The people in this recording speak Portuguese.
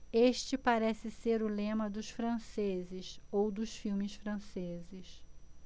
este parece ser o lema dos franceses ou dos filmes franceses